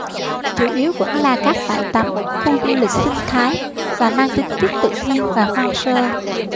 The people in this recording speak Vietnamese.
chủ yếu vẫn là các bãi tắm khu du lịch sinh thái và mang tính chất tự nhiên và hoang sơ